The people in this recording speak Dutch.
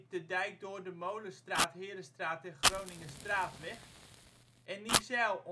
de dijk door de Molenstraat, Herestraat en Groningerstraatweg) en Niezijl